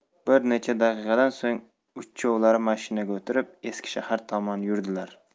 bir necha daqiqadan so'ng uchchovlari mashinaga o'tirib eski shahar tomon yurdilar